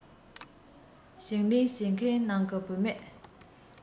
ཞིང ལས བྱེད མཁན ནང གི བུ མེད